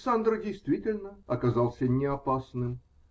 Сандро действительно оказался не опасным.